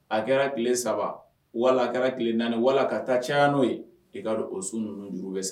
A kɛra tile saba wala a kɛra tile naani wala ka taa ca n'o ye i ka don o sun ninnu jugu bɛ